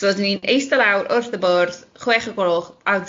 So o'n i'n eistedd lawr wrth y bwrdd, chwech o'r gloch, a